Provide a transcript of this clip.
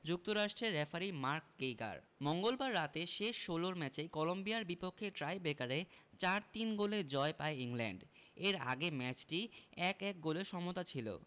যুক্তরাষ্ট্রের referee Mark Geiger মঙ্গলবার রাতে শেষ ষোলোর ম্যাচে কলম্বিয়ার বিপক্ষে টাইব্রেকারে ৪ ৩ গোলে জয় পায় ইংল্যান্ড এর আগে ম্যাচটি ১ ১ গোলে সমতা ছিল